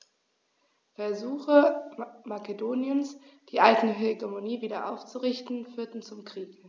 Versuche Makedoniens, die alte Hegemonie wieder aufzurichten, führten zum Krieg.